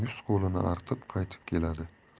qo'lini artib qaytib keladi